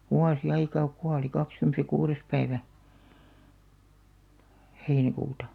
vuosi aikaa kun kuoli kaksikymmentä ja kuudes päivä heinäkuuta